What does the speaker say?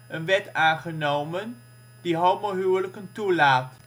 een wet aangenomen, die homohuwelijken toelaat